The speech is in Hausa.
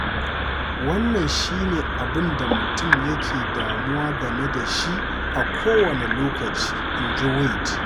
“Wannan shi ne abinda mutum yake damuwa game da shi a kowanne loƙaci,” inji Wade.